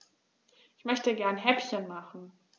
Ich möchte gerne Häppchen machen.